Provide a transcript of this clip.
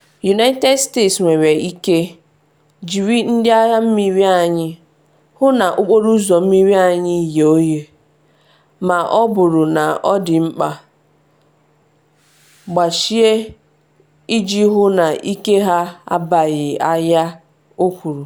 “United States nwere ike, jiri Ndị Agha Mmiri anyị, hụ na okporo ụzọ mmiri anyị ghe oghe, ma ọ bụrụ na ọ dị mkpa, gbachie, iji hụ na ike ha abaghị ahịa.” o kwuru.